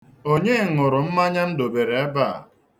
Onye ṅụrụ mmanya m dobere ebe a?